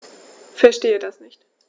Verstehe das nicht.